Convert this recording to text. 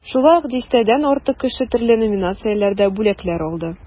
Шулай ук дистәдән артык кеше төрле номинацияләрдә бүләкләр алды.